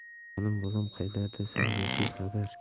jonim bolam qaylardasan bergil xabar